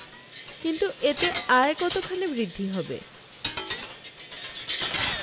কিন্তু এতে আয় কতখানি বৃদ্ধি হবে